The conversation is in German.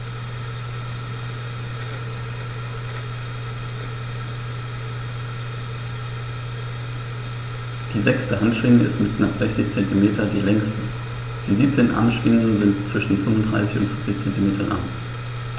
Die sechste Handschwinge ist mit knapp 60 cm die längste. Die 17 Armschwingen sind zwischen 35 und 40 cm lang.